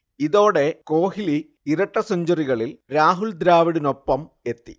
ഇതോടെ കോഹ്ളി ഇരട്ട സെഞ്ചുറികളിൽ രാഹുൽ ദ്രാവിഡിനൊപ്പം എത്തി